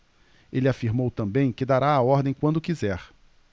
ele afirmou também que dará a ordem quando quiser